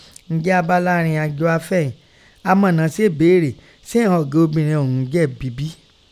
Nẹ́ abala ẹrìnàjò afẹ́ ìín , amọ̀nà sebéèrè: sé ìghọn ọ̀gá obìrin ọ̀ún ùn jẹ̀bi bí?